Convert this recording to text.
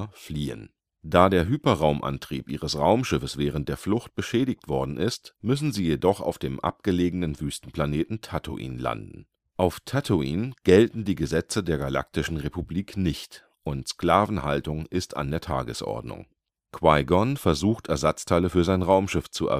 fliehen. Da der Hyperraumantrieb ihres Raumschiffs während der Flucht beschädigt worden ist, müssen sie jedoch auf dem abgelegenen Wüstenplaneten Tatooine landen. Auf Tatooine gelten die Gesetze der Galaktischen Republik nicht und Sklavenhaltung ist an der Tagesordnung. Qui-Gon versucht Ersatzteile für sein Raumschiff zu